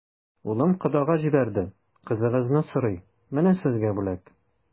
Улым кодага җибәрде, кызыгызны сорый, менә сезгә бүләк.